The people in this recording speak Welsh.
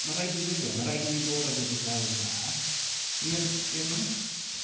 Ma' raid i rywun... ma' raid i ni dod â rywbeth fel 'na i'r i'r maes.